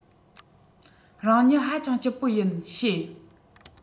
རང ཉིད ཧ ཅང སྐྱིད པོ ཡིན བཤད